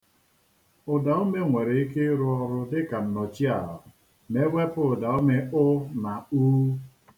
Ụdaume nwere ike ịrụ ọrụ dịka nnochiaha ma e wepụ ụdaume 'ụ' na 'u'.